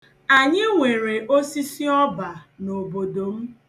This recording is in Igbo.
Anyị nwere osisi ọba n'obodo m.